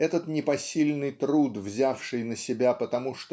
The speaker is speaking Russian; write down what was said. этот непосильный труд взявший на себя потому